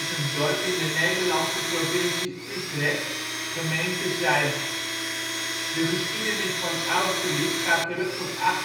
een dorp in de Nederlandse provincie Utrecht, gemeente Zeist. De geschiedenis van Austerlitz gaat terug tot 1804